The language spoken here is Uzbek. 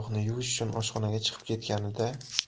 tovoqni yuvish uchun oshxonaga chiqib ketganida